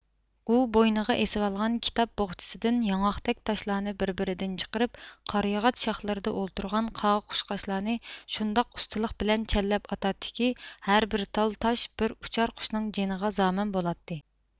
ئۇ بوينىغا ئېسىۋالغان كىتاب بوخچىسىدىن ياڭاقتەك تاشلارنى بىر بىرىدىن چىقىرىپ قارىياغاچ شاخلىرىدا ئولتۇرغان قاغا قۇشقاچلارنى شۇنداق ئۇستىلىق بىلەن چەنلەپ ئاتاتتىكى ھەر بىر تال تاش بىر ئۇچار قۇشنىڭ جېنىغا زامىن بولاتتى